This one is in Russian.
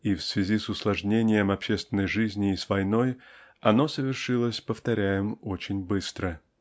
и в связи с усложнением общественной жизни и с войной оно совершилось повторяем очень быстро.